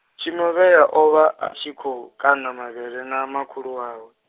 Tshinovhea o vha a tshi khou kana mavhele na makhulu wawe.